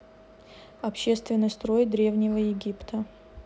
общественный строй древнего египта